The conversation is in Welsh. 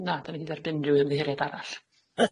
Na dan ni'm di derbyn unryw ymddiheriad arall.